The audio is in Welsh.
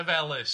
Llefelys.